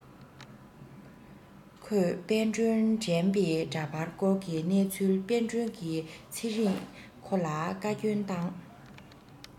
ཁོས དཔལ སྒྲོན དྲན པའི འདྲ པར བསྐོར གྱི གནས ཚུལ དཔལ སྒྲོན གྱི ཚེ རིང ཁོ ལ བཀའ བསྐྱོན བཏང